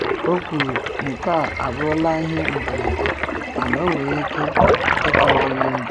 O kwuru “nke a abụrụla ihe mberede, mana ọ nwere ike ịkawanye njọ,”.